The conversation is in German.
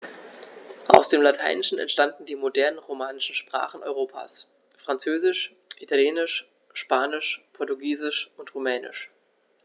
Aus dem Lateinischen entstanden die modernen „romanischen“ Sprachen Europas: Französisch, Italienisch, Spanisch, Portugiesisch und Rumänisch.